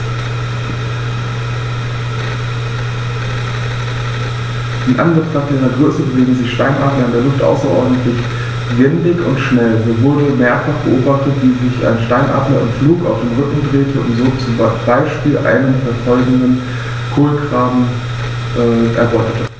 In Anbetracht ihrer Größe bewegen sich Steinadler in der Luft außerordentlich wendig und schnell, so wurde mehrfach beobachtet, wie sich ein Steinadler im Flug auf den Rücken drehte und so zum Beispiel einen verfolgenden Kolkraben erbeutete.